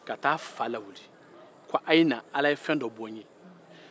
ka taa a fa lawuli ko a ye na ko ala ye fɛn dɔ kɛ ye